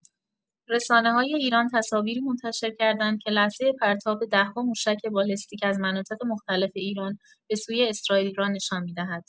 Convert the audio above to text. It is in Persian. رسانه‌های ایران تصاویری منتشر کردند که لحظه پرتاب ده‌ها موشک بالستیک از مناطق مختلف ایران به سوی اسرائیل را نشان می‌دهد.